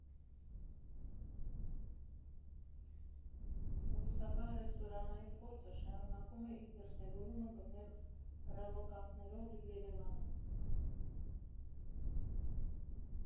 Ռուսական ռեստորանային փորձը շարունակում է իր դրսևորումը գտնել ռելոկանտներով լի Երևանում։